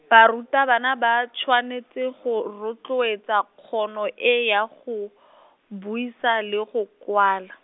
barutabana ba tshwanetse go rotloetsa kgono e ya go , buisa le go kwala.